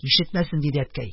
Ишетмәсен! - диде дә әткәй,